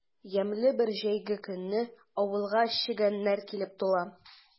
Ямьле бер җәйге көнне авылга чегәннәр килеп тула.